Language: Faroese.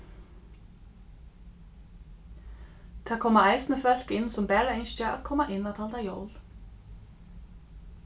tað koma eisini fólk inn sum bara ynskja at koma inn at halda jól